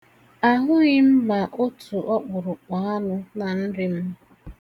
Ahụghị m ma otu ọkpụrụkpụ anụ na nri m.